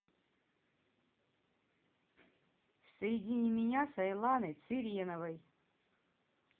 соедини меня с айланой цыреновой